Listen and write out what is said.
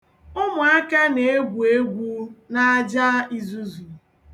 Ụmụaka na-egwu egwu n'aja izuzu.